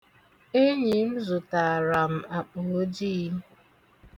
Enyi m zụtaara m akpa ojii.